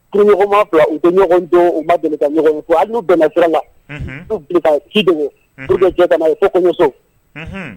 Kunɲɔgɔnma bila u bɛ ɲɔgɔn don u ma ɲɔgɔn kuwa ani'u bɛn dɔrɔn la u ci dogo jɔso